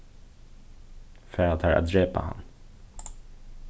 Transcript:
fara teir at drepa hann